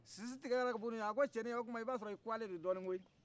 sisi tigɛra ka b'uni ɲɔgɔncɛ a ko cɛnin o i b'a sɔrɔ i kɔgɔlen de dɔɔni koyi